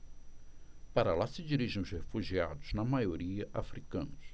para lá se dirigem os refugiados na maioria hútus